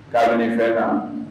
Taaa ne fɛ la